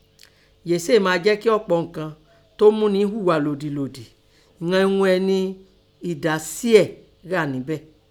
Yèé sèè máa jẹ́ kí ọ̀pọ̀ nǹkan tó ń múni hùghà lódìlodì, ìnan ihun ẹ̀ní ẹ̀dá sìèè hà ńbẹ̀.